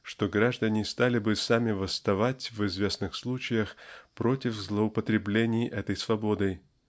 что граждане стали бы сами восставать в известных случаях против злоупотреблений этой свободой.